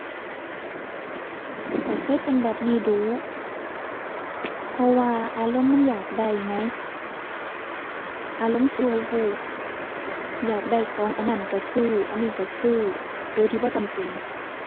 ข้อยเคยเป็นแบบนี้ดู๋ เพราะว่าอารมณ์มันอยากได้ไง อารมณ์ชั่ววูบ อยากได้ของอันนั้นก็ซื้อ อันนี้ก็ซื้อ โดยที่บ่จำเป็น